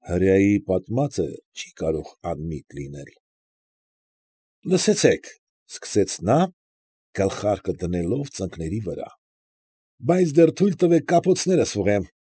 Հրեայի պատմածը չի կարող անմիտ լինել։ ֊ Լսեցեք,֊ սկսեց նա, գլխարկը դնելով ծնկների վրա,֊ բայց դեռ թույլ տվեք կապոցներս ուղղեմ։